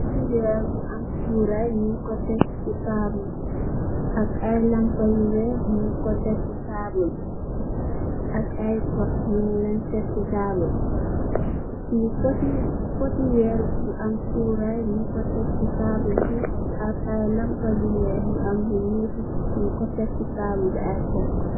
Poti weer bu am chuuraay nyungko tek si taabul bi, ak aye lampa yu weeh, nyunko tek si taabul bi, ak aye pot nyunge leen tek si taabul bi.